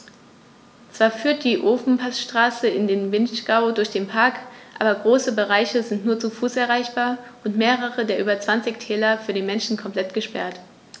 Zwar führt die Ofenpassstraße in den Vinschgau durch den Park, aber große Bereiche sind nur zu Fuß erreichbar und mehrere der über 20 Täler für den Menschen komplett gesperrt.